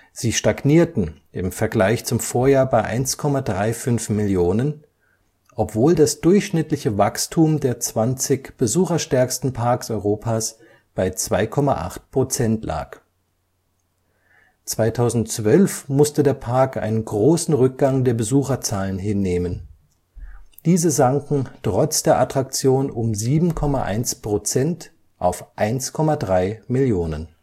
Sie stagnierten im Vergleich zum Vorjahr bei 1,35 Millionen, obwohl das durchschnittliche Wachstum der 20 besucherstärksten Parks Europas bei 2,8 % lag. 2012 musste der Park einen großen Rückgang der Besucherzahlen hinnehmen. Diese sanken trotz der Attraktion um 7,1 % auf 1,3 Millionen